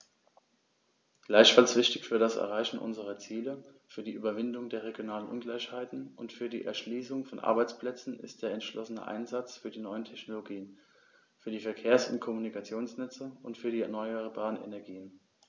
Gleichfalls wichtig für das Erreichen unserer Ziele, für die Überwindung der regionalen Ungleichheiten und für die Erschließung von Arbeitsplätzen ist der entschlossene Einsatz für die neuen Technologien, für die Verkehrs- und Kommunikationsnetze und für die erneuerbaren Energien.